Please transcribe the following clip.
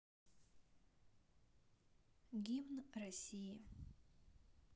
гимн россии